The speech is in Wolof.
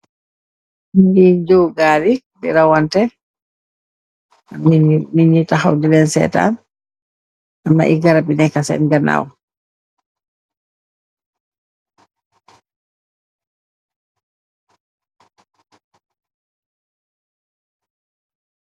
Li joga bi di rawanteh nitti nitti taxaw di leen setan amna ay garab yu neka sen ganaw.